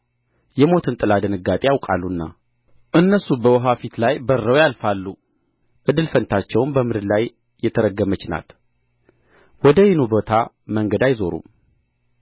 የሞትን ጥላ ድንጋጤ ያውቃሉና እነርሱ በውኃ ፊት ላይ በርረው ያልፋሉ እድል ፈንታቸውም በምድር ላይ የተረገመች ናት ወደ ወይኑ ቦታ መንገድ አይዞሩም